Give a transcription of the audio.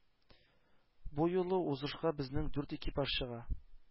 Бу юлы узышка безнең дүрт экипаж чыга.